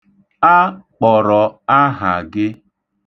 A kpọrọ aha gị.